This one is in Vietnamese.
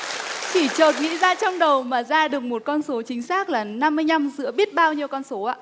chỉ chợt nghĩ ra trong đầu mà ra được một con số chính xác là năm mươi nhăm giữa biết bao nhiêu con số ạ